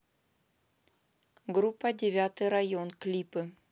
группа девятый район клипы